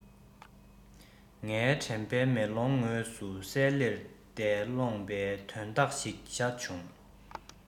ངའི དྲན པའི མེ ལོང ངོས སུ གསལ ལེར འདས སོང པའི དོན དག ཞིག ཤར བྱུང